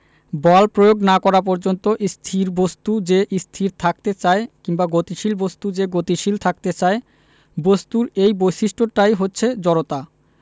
বল প্রয়োগ না করা পর্যন্ত স্থির বস্তু যে স্থির থাকতে চায় কিংবা গতিশীল বস্তু যে গতিশীল থাকতে চায় বস্তুর এই বৈশিষ্ট্যটাই হচ্ছে জড়তা